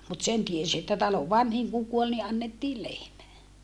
mutta sen tiesi että talon vanhin kun kuoli niin annettiin lehmä